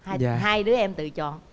hai đứa em tự chọn